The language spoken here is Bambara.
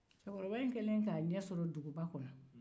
cɛkɔrɔba in kɛlen k'a ɲɛsɔrɔ duguba kɔnɔ